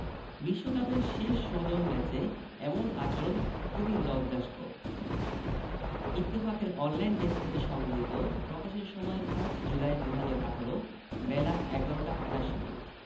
বিশ্বকাপের শেষ ষোলর ম্যাচে এমন আচরণ খুবই লজ্জাস্কর ইত্তফাকের অনলাইন ডেস্ক হতে সংগৃহীত প্রকাশের সময় ৫ জুলাই ২০১৮ বেলা১১টা ২৮ মিনিট